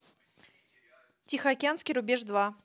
тихоокеанский рубеж два